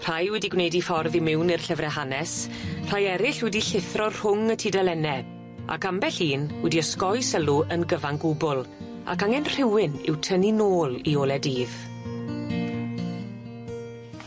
Rhai wedi gwneud i ffordd i mewn i'r llyfre hanes rhai eryll wedi llithro rhwng y tudalenne, ac ambell un wedi osgoi sylw yn gyfan gwbwl, ac angen rhywun i'w tynnu nôl i ole dydd.